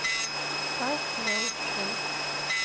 кайф для ушей